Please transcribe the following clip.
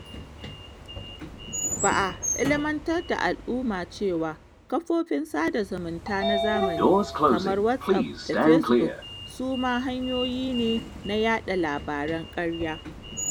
Ba a ilmantar da al'umma cewa; kafofin sada zumunta na zamani kamar Wasof da Fesbuk su ma hanyoyi ne na yaɗa labaran ƙarya.